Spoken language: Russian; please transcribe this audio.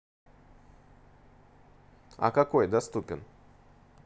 а какой доступен